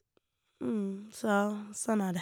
Så, sånn er det.